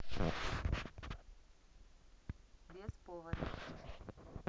без повода